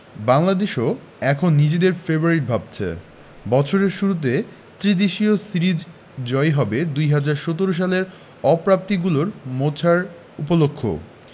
বাংলাদেশও এবার নিজেদের ফেবারিট ভাবছে বছরের শুরুতে ত্রিদেশীয় সিরিজ জয়ই হবে ২০১৭ সালের অপ্রাপ্তিগুলো মোছার উপলক্ষও